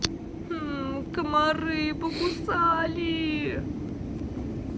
комары покусали